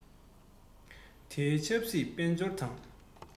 དེའི ཆབ སྲིད དཔལ འབྱོར དང